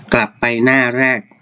กลับไปหน้าแรก